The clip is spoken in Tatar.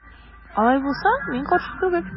Алай булса мин каршы түгел.